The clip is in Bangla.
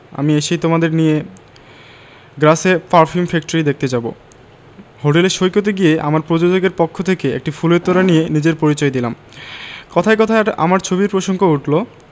আমি এসেই তোমাদের নিয়ে গ্রাসে পারফিউম ফ্যাক্টরি দেখতে যাবো হোটেলের সৈকতে গিয়ে আমার প্রযোজকের পক্ষ থেকে একটি ফুলের তোড়া দিয়ে নিজের পরিচয় দিলাম কথায় কথায় আমার ছবির প্রসঙ্গ উঠলো